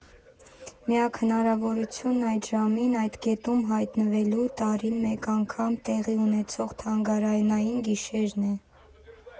Միակ հնարավորությունն այդ ժամին այդ կետում հայտնվելու՝ տարին մեկ անգամ տեղի ունեցող Թանգարանային գիշերն է։